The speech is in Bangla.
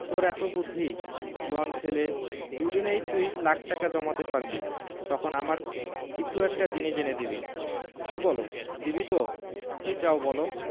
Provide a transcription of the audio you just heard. তোর এত বুদ্ধি জোয়ান ছেলে দুদিনেই তুই লাখ টাকা জমাতে পারবি তখন আমার কিছু একটা জিনিস এনে দিবি কি বলো দিবি তো কি চাও বলো